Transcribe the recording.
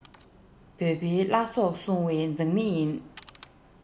བོད པའི བླ སྲོག སྲུང བའི མཛངས མི ཡིན